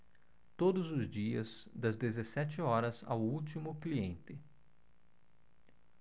todos os dias das dezessete horas ao último cliente